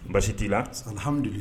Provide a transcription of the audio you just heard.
Basi t'i lahamidu ye